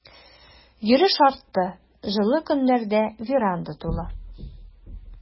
Йөреш артты, җылы көннәрдә веранда тулы.